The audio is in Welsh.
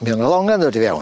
Mi o' 'na longa'n dod i fewn.